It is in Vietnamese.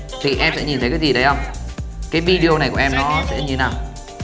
thì em sẽ nhìn thấy cái gì đấy hông cái vi đô này của em nó sẽ như thế nào